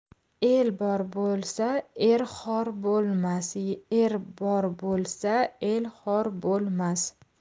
el bor bo'lsa er xor bo'lmas er bor bo'lsa el xor bo'lmas